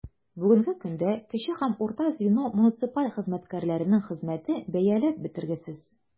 Бүгенге көндә кече һәм урта звено муниципаль хезмәткәрләренең хезмәте бәяләп бетергесез.